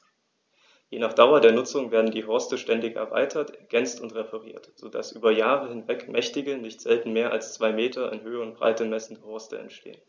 Je nach Dauer der Nutzung werden die Horste ständig erweitert, ergänzt und repariert, so dass über Jahre hinweg mächtige, nicht selten mehr als zwei Meter in Höhe und Breite messende Horste entstehen.